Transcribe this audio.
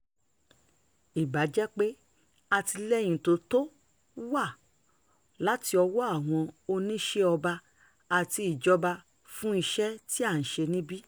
Ìbájẹ́pé àtìlẹ́yìn tó tó wá láti ọwọ́ àwọn oníṣẹọba àti ìjọba fún iṣẹ́ tí à ń ṣe níbí.